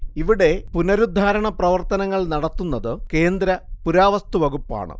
ഇവിടെ പുനരുദ്ധാരണ പ്രവർത്തനങ്ങൾ നടത്തുന്നത് കേന്ദ്ര പുരാവസ്തുവകുപ്പാണ്